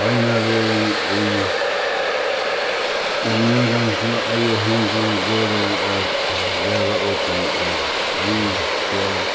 beinanvegin um um nakað so eigur hendan gøtan at læra okkum at ein skal